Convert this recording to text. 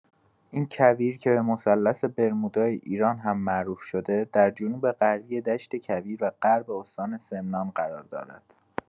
این کویر که به مثلث برمودای ایران هم معروف شده در جنوب‌غربی دشت کویر و غرب استان سمنان قرار دارد.